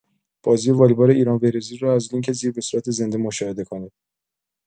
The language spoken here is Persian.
بازی والیبال ایران و برزیل را از لینک زیر بصورت زنده مشاهده کنید.